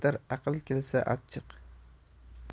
ketar aql kelsa achchiq